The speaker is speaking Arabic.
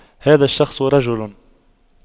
هذا الشخص رجل